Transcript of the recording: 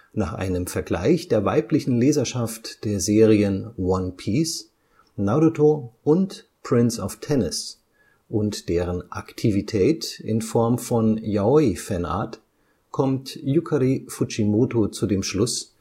Nach einem Vergleich der weiblichen Leserschaft der Serien One Piece, Naruto und Prince of Tennis und deren Aktivität in Form von Yaoi-Fanart kommt Yukari Fujimoto zu dem Schluss